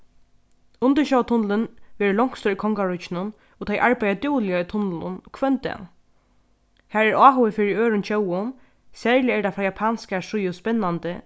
undirsjóvartunnilin verður longstur í kongaríkinum og tey arbeiða dúgliga í tunlinum hvønn dag har er áhugi fyri øðrum tjóðum serliga er tað frá japanskari síðu spennandi